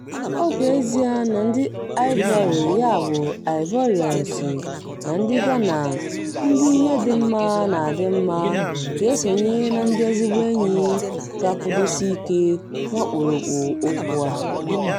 Ọ bụ ezie na ndị Ivorị (Ivorians) na ndị Gana, ndị ihe dị mmá na-adị mma ga-esonye na ndị ezigbo enyi ga-akwụdosiike n'ọkpụrụkpụ okwu a.